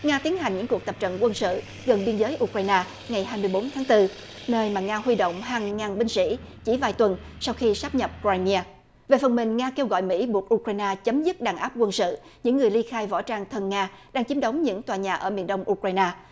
nga tiến hành những cuộc tập trận quân sự gần biên giới u cờ rai na ngày hai mươi bốn tháng tư nơi mà nga huy động hàng ngàn binh sĩ chỉ vài tuần sau khi sáp nhập rai ni a về phần mình nga kêu gọi mỹ buộc u cờ rai na chấm dứt đàn áp quân sự những người ly khai võ trang thân nga đang chiếm đóng những tòa nhà ở miền đông u cờ rai na